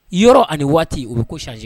Yɔrɔ ani waati o bi ko change